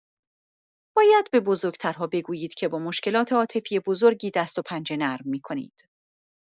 باید به بزرگ‌ترها بگویید که با مشکلات عاطفی بزرگی دست‌وپنجه نرم می‌کنید.